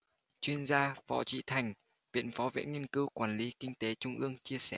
chuyên gia võ trí thành viện phó viện nghiên cứu quản lý kinh tế trung ương chia sẻ